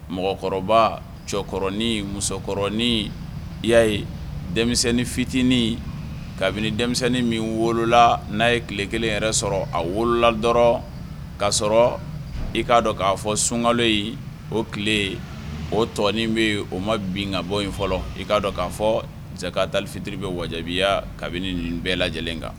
Mɔgɔkɔrɔba cɛkɔrɔbakɔrɔnin musoɔrɔn yaa ye denmisɛnnin fitinin kabini denmisɛnnin min wolola n'a ye tile kelen yɛrɛ sɔrɔ a wolola dɔrɔn k'a sɔrɔ i k'a dɔn k'a fɔ sunkalo yen o tile o tɔin bɛ o ma bin ka bɔ yen fɔlɔ i k'a dɔn k'a fɔ jaka ta fitiri bɛ wa kabini nin bɛɛ lajɛ lajɛlen kan